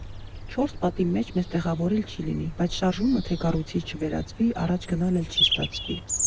«չորս պատի» մեջ մեզ տեղավորել չի լինի, բայց Շարժումը, թե կառույցի չվերածվի, առաջ գնալ էլ չի ստացվի։